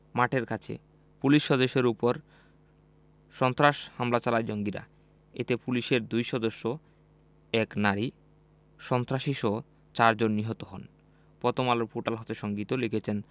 মাঠের কাছে পুলিশ সদস্যদের ওপর সশস্ত্র হামলা চালায় জঙ্গিরা এতে পুলিশের দুই সদস্য এক নারী সন্ত্রাসীসহ চারজন নিহত হন প্রথমআলো পোর্টাল হতে সংগৃহীত লিখেছেন